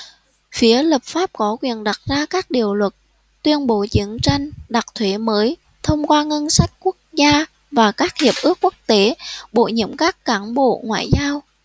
phía lập pháp có quyền đặt ra các điều luật tuyên bố chiến tranh đặt thuế mới thông qua ngân sách quốc gia và các hiệp ước quốc tế bổ nhiệm các cán bộ ngoại giao